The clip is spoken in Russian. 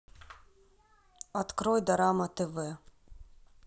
открой дорама тв